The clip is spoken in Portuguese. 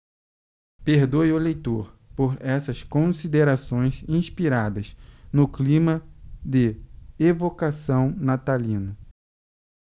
perdoe o leitor por essas considerações inspiradas no clima de evocação natalino